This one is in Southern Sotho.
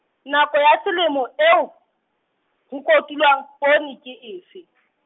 nako ya selemo, eo, ho kotulwang, poone, ke efe ?